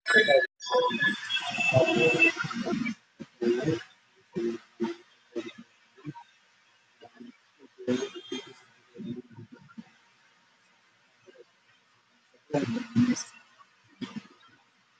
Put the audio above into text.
Waa mobile midabkiisii yahay madow